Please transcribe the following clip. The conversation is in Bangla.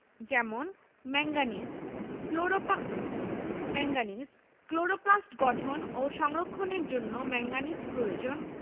যেমন ম্যাংগানিজ ক্লোরোপ্লা ম্যাংগানিজ ক্লোরোপ্লাস্ট গঠন ও সংরক্ষণের জন্য ম্যাংগানিজ প্রয়োজন